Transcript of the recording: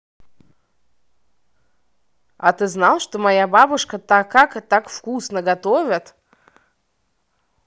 а ты знал что моя бабушка так как так вкусно готовят